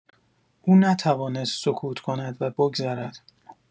او نتوانست سکوت کند و بگذرد؛